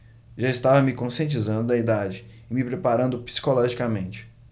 já estava me conscientizando da idade e me preparando psicologicamente